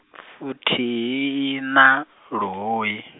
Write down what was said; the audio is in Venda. futhihiina, luhuhi.